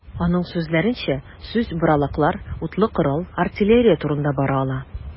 Аның сүзләренчә, сүз боралаклар, утлы корал, артиллерия турында бара ала.